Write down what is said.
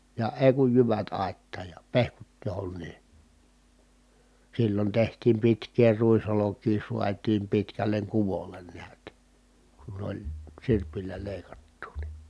ja ei kun jyvät aittaan ja pehkut johonkin silloin tehtiin pitkää ruisolkia saatiin pitkälle kuvolle näet kun oli sirpillä leikattua niin